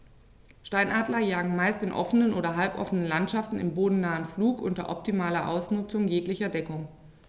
Steinadler jagen meist in offenen oder halboffenen Landschaften im bodennahen Flug unter optimaler Ausnutzung jeglicher Deckung.